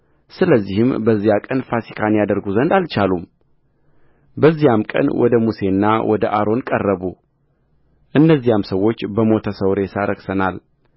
ስለዚህም በዚያ ቀን ፋሲካን ያደርጉ ዘንድ አልቻሉም በዚያም ቀን ወደ ሙሴና ወደ አሮን ቀረቡእነዚያም ሰዎች በሞተ ሰው ሬሳ ረክሰናል